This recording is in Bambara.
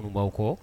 U bawaw kɔ